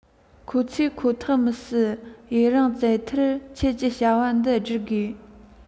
ཁོ ཚོས ཁོ ཐག མི སྲིད ཡུན རིང བཙལ མཐར ཁྱོད ཀྱིས བྱ བ འདི བསྒྲུབ དགོས